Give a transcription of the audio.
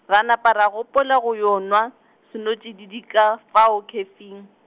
ra napa ra gopola go yo nwa, senotšididi ka fao khefing.